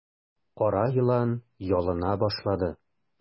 Кара елан ялына башлады.